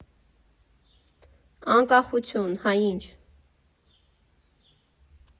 Անկախություն, հա, ի՞նչ։